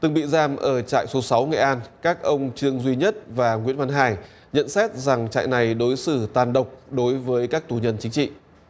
từng bị giam ở trại số sáu nghệ an các ông trương duy nhất và nguyễn văn hải nhận xét rằng trại này đối xử tàn độc đối với các tù nhân chính trị